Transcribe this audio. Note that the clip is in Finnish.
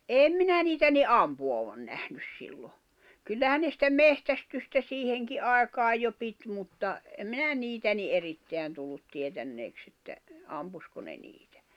en minä niitä niin ampuvan nähnyt silloin kyllähän ne sitä metsästystä siihenkin aikaan jo piti mutta en minä niitä niin erittäin tullut tietäneeksi että ampuiko ne niitä